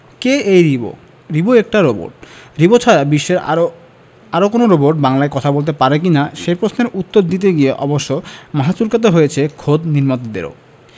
কে এই রিবো রিবো একটা রোবট রিবো ছাড়া বিশ্বের আর কোনো রোবট বাংলায় কথা বলতে পারে কি না সে প্রশ্নের উত্তর দিতে গিয়ে অবশ্য মাথা চুলকাতে হয়েছে খোদ নির্মাতাদেরও